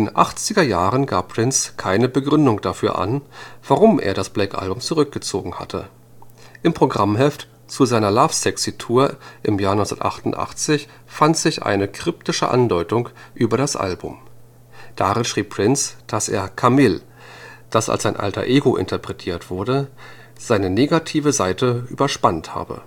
1980er Jahren gab Prince keine Begründung dafür an, warum er das Black Album zurückgezogen hatte. Im Programmheft zu seiner Lovesexy-Tour im Jahr 1988 fand sich eine kryptische Andeutung über das Album; darin schrieb Prince, dass „ Camille “, das als sein Alter Ego interpretiert wurde, seine negative Seite überspannt habe